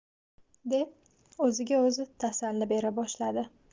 deb o'ziga o'zi tasalli bera boshladi